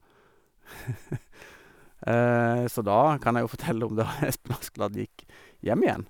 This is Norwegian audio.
Så da kan jeg jo fortelle om da Espen Askeladd gikk hjem igjen.